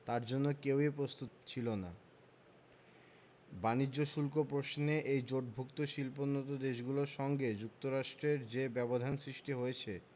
তার জন্য কেউই প্রস্তুত ছিল না বাণিজ্য শুল্ক প্রশ্নে এই জোটভুক্ত শিল্পোন্নত দেশগুলোর সঙ্গে যুক্তরাষ্ট্রের যে ব্যবধান সৃষ্টি হয়েছে